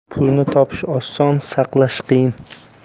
pulni topish oson saqlash qiyin